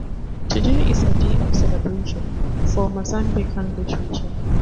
Today is a day of celebration for Mozambican Literature.